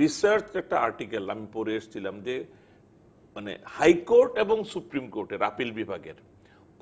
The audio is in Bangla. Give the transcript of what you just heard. রিসার্চ' একটা আর্টিকেল আমি পড়েছিলাম যে মানে হাইকোর্ট এবং সুপ্রিম কোর্টের আপিল বিভাগের